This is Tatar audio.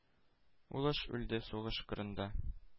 Улың үлде сугыш кырында.